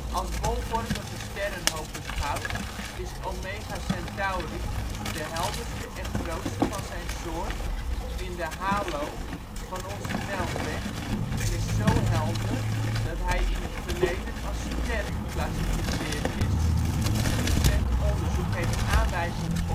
Als bolvormige sterrenhoop beschouwd is Omega Centauri de helderste en grootste van zijn soort in de halo van onze Melkweg en is zo helder dat hij in het verleden als ster geclassificeerd is. Recent onderzoek heeft aanwijzingen